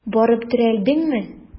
Барып терәлдеңме?